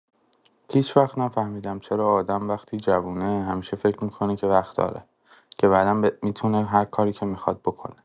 هیچ‌وقت نفهمیدم چرا آدم وقتی جوونه، همیشه فکر می‌کنه که وقت داره، که بعدا می‌تونه هر کاری که می‌خواد بکنه.